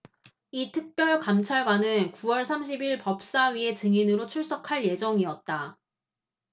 이 특별감찰관은 구 월 삼십 일 법사위에 증인으로 출석할 예정이었다